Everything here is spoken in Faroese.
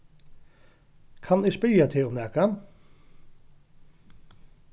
kann eg spyrja teg um nakað